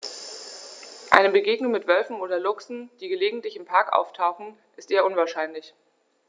Eine Begegnung mit Wölfen oder Luchsen, die gelegentlich im Park auftauchen, ist eher unwahrscheinlich.